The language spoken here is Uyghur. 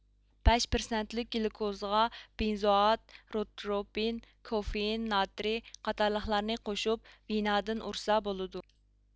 بەش پىرسەنتلىك گلۇكوزىغا بېنزوئات روتروپىن كوفېئىن ناترىي قاتارلىقلارنى قوشۇپ ۋىنادىن ئۇرسا بولىدۇ